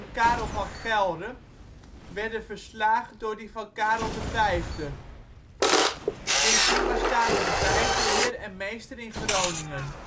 Karel van Gelre werden verslagen door die van Karel V. Sindsdien was Karel V heer en meester in Groningen